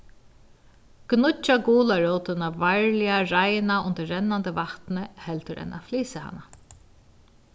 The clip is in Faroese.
gníggja gularótina varliga reina undir rennandi vatni heldur enn at flysa hana